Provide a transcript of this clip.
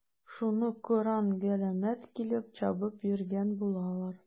Шуны кыран-галәмәт килеп чабып йөргән булалар.